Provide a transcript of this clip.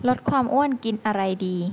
ลดความอ้วนกินอะไรดี